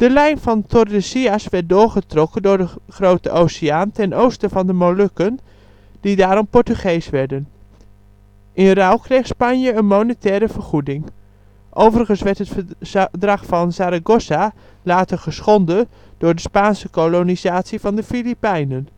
lijn van Tordesillas werd doorgetrokken door de Grote Oceaan ten oosten van de Molukken, die daarom Portugees werden. In ruil kreeg Spanje een monetaire vergoeding. Overigens werd het verdrag van Zaragoza later geschonden door de Spaanse kolonisatie van de Filippijnen